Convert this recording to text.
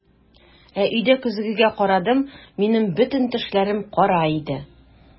Ә өйдә көзгегә карадым - минем бөтен тешләрем кара иде!